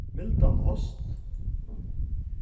mildan ost